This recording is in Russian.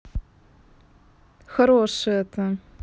хороший это